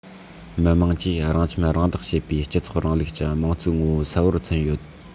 མི དམངས ཀྱིས རང ཁྱིམ རང བདག བྱེད པའི སྤྱི ཚོགས རིང ལུགས ཀྱི དམངས གཙོའི ངོ བོ གསལ པོར མཚོན ཡོད